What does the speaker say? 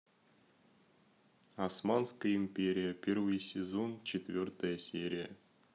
османская империя первый сезон четвертая серия